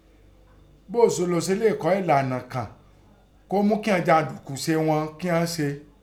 Bóòo lo se léè kọ ẹ̀̀lànà kàn kọ́ mú kín ọn jàǹdùkú se ihun ín ọ́n se?